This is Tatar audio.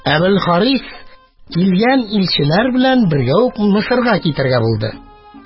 Әбелхарис килгән илчеләр белән бергә үк Мисырга китәргә булды.